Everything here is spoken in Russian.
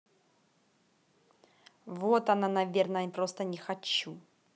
вот она наверное просто не хочу